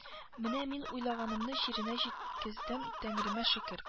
Менә мин уйлаганымны җиренә җиткездем тәңремә шөкер